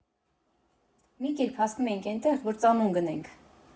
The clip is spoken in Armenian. Մի կերպ հասնում էինք էնտեղ, որ ծամոն գնենք։